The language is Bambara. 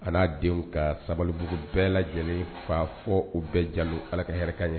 An n'a denw ka sabalibugu bɛɛ lajɛlen fa fɔ u bɛɛ ja ala ka hɛrɛ ɲɛ